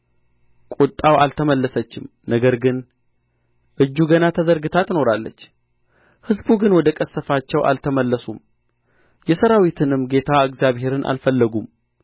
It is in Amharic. ቍጣው አልተመለሰችም ነገር ግን እጁ ገና ተዘርግታ ትኖራለች ሕዝቡ ግን ወደ ቀሠፋቸው አልተመለሱም የሠራዊትንም ጌታ እግዚአብሔርን አልፈለጉም